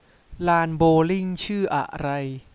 ลานโบว์ลิ่งชื่ออะไร